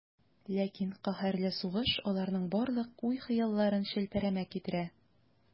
Ләкин каһәрле сугыш аларның барлык уй-хыялларын челпәрәмә китерә.